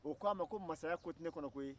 o k'a ma ko mansaya ko tɛ ne kɔnɔ koyi